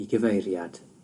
i gyfeiriad